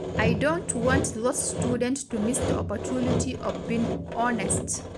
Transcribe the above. I don’t want those students to miss the opportunity of being honest.